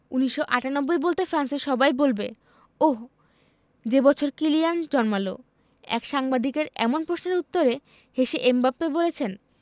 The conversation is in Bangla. ১৯৯৮ বলতে ফ্রান্সের সবাই বলবে ওহ্ যে বছর কিলিয়ান জন্মাল এক সাংবাদিকের এমন প্রশ্নের উত্তরে হেসে এমবাপ্পে বলেছেন